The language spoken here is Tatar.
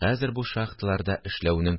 Хәзер бу шахталарда эшләүнең